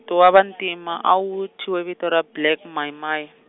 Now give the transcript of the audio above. ti wa vantima a wu, tyhiwe vito ra Black Mai Mai .